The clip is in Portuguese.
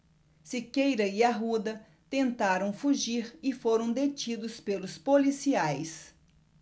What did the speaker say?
siqueira e arruda tentaram fugir e foram detidos pelos policiais